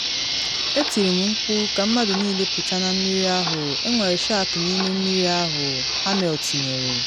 “Etiri m mkpu ka mmadụ niile pụta na mmiri ahụ: ‘Enwere shark n’ime mmiri ahụ!”” Hammel tinyere.